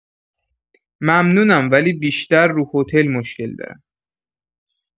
ممنونم ولی بیشتر رو هتل مشکل دارم